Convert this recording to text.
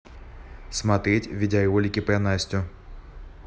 смотреть видеоролики про настю